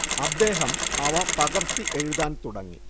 അദ്ദേഹം അവ പകര്‍ത്തി എഴുതാന്‍ തുടങ്ങി